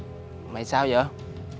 mày sao dợ